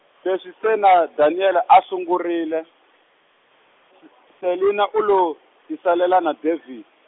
leswi se na Daniel a a sungurile, S- Selinah u lo tisalela na David.